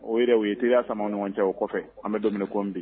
O yɛrɛ u ye teriya sama ɲɔgɔncɛ kɔfɛ an bɛ dumuni kɔn bi